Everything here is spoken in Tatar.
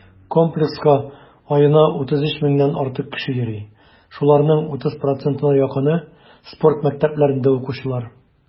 Комплекска аена 33 меңнән артык кеше йөри, шуларның 30 %-на якыны - спорт мәктәпләрендә укучылар.